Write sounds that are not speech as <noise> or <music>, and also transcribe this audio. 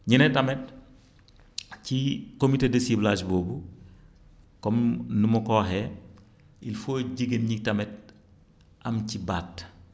ñu ne tamit <smacks lips> ci comité de ciblage boobu comme nu ma ko waxee il faut jigéen ñi tamit am ci baat